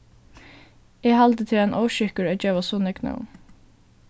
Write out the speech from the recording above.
eg haldi tað er ein óskikkur at geva so nógv nøvn